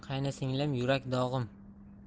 qaynsinglim yurak dog'im